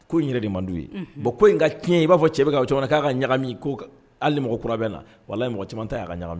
Ko in yɛrɛ de man' ye bɔn ko in ka tiɲɛ ye i b'a fɔ cɛ bɛ ka cogo k'a ka ɲaga ko alimɔgɔ kurabɛ na wala mɔgɔ caman ta y' ka ɲa